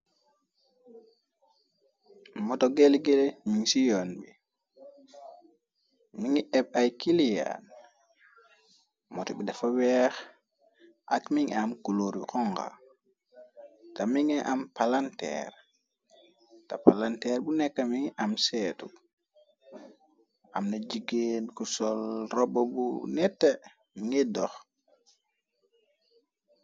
Moto gellgere ñiñ ci yoon bi mi ngi epp ay kiliyaan. Moto bi dafa weex ak mingi am kuloor yu konga te mingi am palanteer. Te palanteer bu nekka mingi am seetu. Amna jigéen ku sol roba bu nette mingir dox.